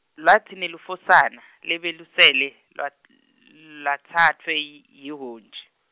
Lwatsi nelufosana lebelusele lwat- lwatsatfwa yi- yihhontji.